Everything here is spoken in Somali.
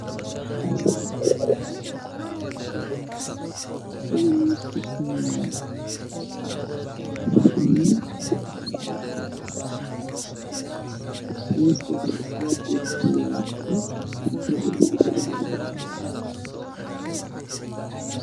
Waxa ay muuqda saddex gabdhood oo sheekaysanayso